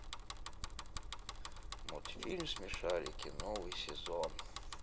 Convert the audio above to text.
мультфильм смешарики новый сезон